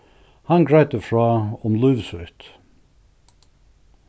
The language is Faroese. hann greiddi frá um lív sítt